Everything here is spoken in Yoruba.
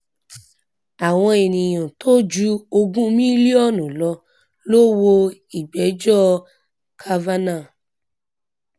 Àwọn ènìyàn tó ju ogún mílíọ̀nù lọ ló wo ìgbẹ́jọ́ Kavanaugh